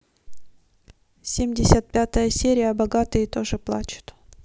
семьдесят пятая серия богатые тоже плачут